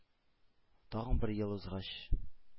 Тагын бер ел узгач,